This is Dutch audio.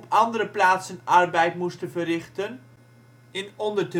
andere plaatsen arbeid moesten verrichten in onder